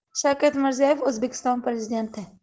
shavkat mirziyoyev o'zbekiston prezidenti